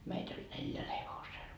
meitä oli neljällä hevosella